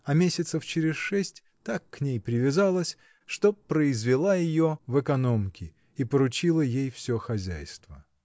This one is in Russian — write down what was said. а месяцев через шесть так к ней привязалась, что произвела ее в экономки и поручила ей все хозяйство.